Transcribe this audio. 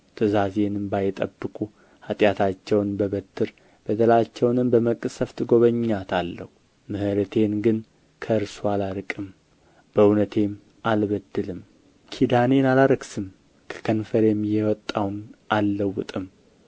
ትእዛዜንም ባይጠብቁ ኃጢአታቸውን በበትር በደላቸውንም በመቅሠፍት እጐበኛታለሁ ምሕረቴን ግን ከእርሱ አላርቅም በእውነቴም አልበድልም ኪዳኔንም አላረክስም ከከንፈሬም የወጣውን አልለውጥም